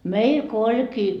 meillä kun olikin